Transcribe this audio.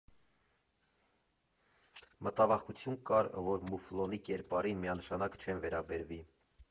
Մտավախություն կար, որ մուֆլոնի կերպարին միանշանակ չեն վերաբերվի։